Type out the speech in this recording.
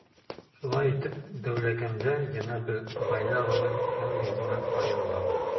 Шулай итеп, Дәүләкәндә янә бер гаилә гомер иткән нигезеннән аерыла.